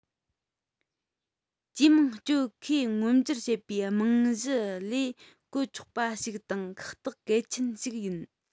ཇུས མང གཅོད མཁས མངོན གྱུར བྱེད པའི རྨང གཞི བློས བཀལ ཆོག པ ཞིག དང ཁག ཐེག གལ ཆེན ཞིག ཡིན